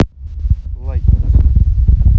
лайк низ